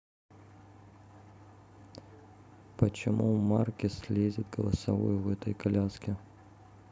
почему маркес лезет голосовой в этой коляске